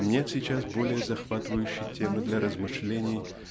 нет сейчас более захватывающей темы для размышлений